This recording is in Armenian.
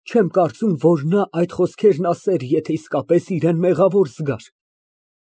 Չեմ կարծում, որ նա այդ խոսքերն ասեր, եթե իսկապես իրան մեղավոր զգար։